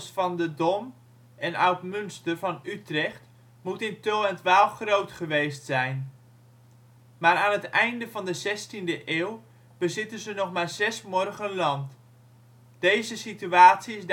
van de Dom en Oud-Munster van Utrecht moet in Tull en ' t Waal groot geweest zijn. Maar aan het einde van de 16de eeuw bezitten ze er nog maar zes morgen land. Deze situatie